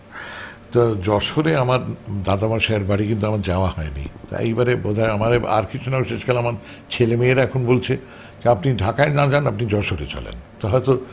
যশোরে আমার দাদা মশাই এর বাড়ী কিন্তু কখনো যাওয়া হয়নি তাই এবার বোধ হয় আর কিছু না হয় শেষ কালে ছেলে মেয়ের এখন বলছে আপনি ঢাকায় না জান আপনি যশোরে চলেন তা হয়তো